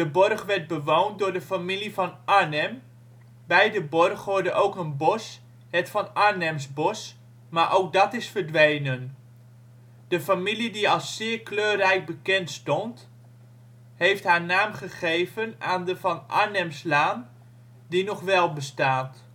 borg werd bewoond door de familie Van Arnhem. Bij de borg hoorde ook een bos, het Van Arnhemsbos, maar ook dat is verdwenen. De familie die als zeer kleurrijk bekend stond heeft haar naam gegeven aan de Van Arnhemslaan die nog wel bestaat